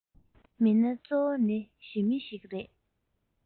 མི སྣ གཙོ བོ ནི ཞི མི ཞིག རེད